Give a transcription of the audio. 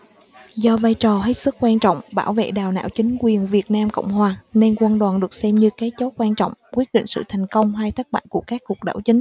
do vai trò hết sức quan trọng bảo vệ đầu não chính quyền việt nam cộng hòa nên quân đoàn được xem như cái chốt quan trọng quyết định sự thành công hay thất bại của các cuộc đảo chính